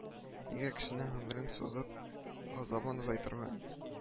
Нигә кешенең гомерен сузып, газабын озайтырга